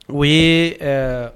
U ye